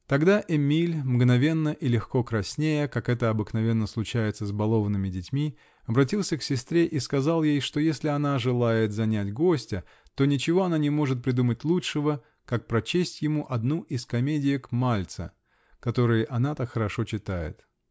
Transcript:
Тогда Эмиль, мгновенно и легко краснея, как это обыкновенно случается с балованными детьми, -- обратился к сестре и сказал ей, что если она желает занять гостя, то ничего она не может придумать лучшего, как прочесть ему одну из комедиек Мальца, которые она так хорошо читает.